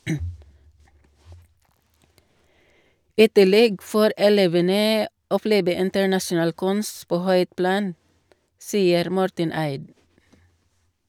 I tillegg får elevene oppleve internasjonal kunst på høyt plan, sier Morten Eid.